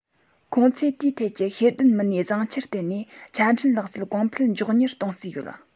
ཁོང ཚོས དེའི ཐད ཀྱི ཤེས ལྡན མི སྣའི བཟང ཆར བརྟེན ནས ཆ འཕྲིན ལག རྩལ གོང འཕེལ མགྱོགས མྱུར གཏོང རྩིས ཡོད